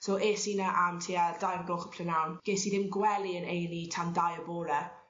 so es i 'na am tua dau o'r gloch y prynawn ges i ddim gwely yn Ay an' Ee tan dau y bore